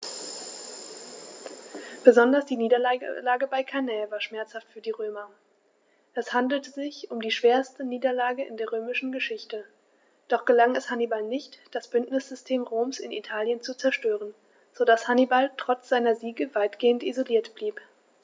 Besonders die Niederlage bei Cannae war schmerzhaft für die Römer: Es handelte sich um die schwerste Niederlage in der römischen Geschichte, doch gelang es Hannibal nicht, das Bündnissystem Roms in Italien zu zerstören, sodass Hannibal trotz seiner Siege weitgehend isoliert blieb.